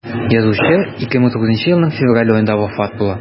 Язучы 2009 елның февраль аенда вафат була.